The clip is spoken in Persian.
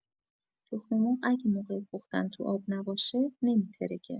تخم‌مرغ اگه موقع پختن تو آب نباشه، نمی‌ترکه.